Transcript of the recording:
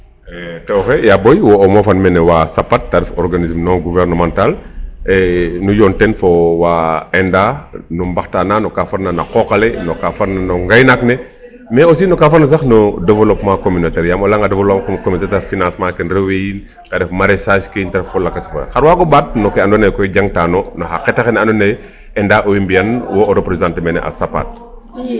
Tew oxe Yao Boye wo' oo moofan wene wa SAPAT ta ref organisme non gouvernemental e nu yoon teen fo wa ENDA nu mbaxtaanaa no ka farna a qooq ale no ka farna no ngaynaak ne .Mais aussi no ka farna no sax no développement communauteriat o layanga ta ref financement ke rew we yiin ta ref maraichage ke yiin ta ref fo lakas fo lakas xar o waago ɓaat no ke andoona yee koy jangatan no xa qet axene andoona yee ENDA owey mbi'an wo o représenter mene a SAPAT.